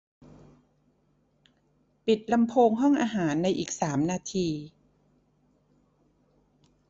ปิดลำโพงห้องอาหารในอีกสามนาที